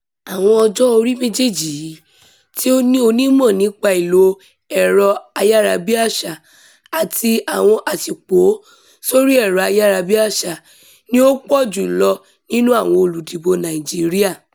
Àwọn ọjọ́-orí méjèèjì yìí, tí ó ní onímọ̀ nípa ìlò ẹ̀rọ ayárabíàṣá àti àwọn aṣípò sórí ẹ̀rọ ayárabíàṣá, ni ó pọ̀ jù lọ nínú àwọn olùdìbòo Nàìjíríà.